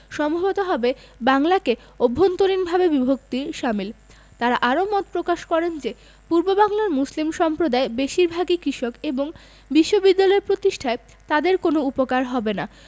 সম্ভবত হবে বাংলাকে অভ্যন্তরীণভাবে বিভক্তির শামিল তাঁরা আরও মত প্রকাশ করেন যে পূর্ববাংলার মুসলিম সম্প্রদায় বেশির ভাগই কৃষক এবং বিশ্ববিদ্যালয় প্রতিষ্ঠায় তাদের কোনো উপকার হবে না